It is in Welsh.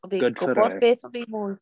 Good for her. Fi'n gwybod beth fi moyn.